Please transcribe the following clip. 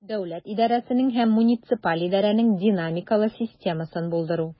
Дәүләт идарәсенең һәм муниципаль идарәнең динамикалы системасын булдыру.